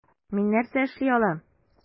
Мин нәрсә эшли алам?